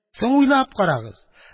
Соң, уйлап карагыз